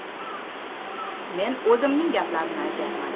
men o'zimning gaplarimni aytyapman